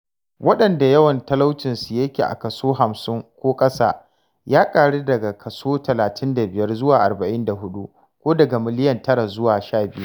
Waɗanda yawan talaucinsu yake a kaso 50% ko ƙasa, ya ƙaru daga kaso 35% zuwa 44% (ko daga miliyan 9 zuwa 12).